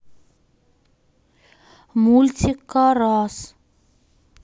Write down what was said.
мультик карас